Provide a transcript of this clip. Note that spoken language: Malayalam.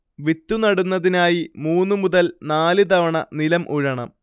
വിത്ത് നടുന്നതിനായി മൂന്ന് മുതൽ നാല് തവണ നിലം ഉഴണം